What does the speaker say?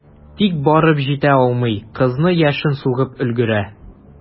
Тик барып җитә алмый, кызны яшен сугып өлгерә.